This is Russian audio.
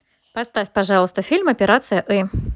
поставь пожалуйста фильм операция ы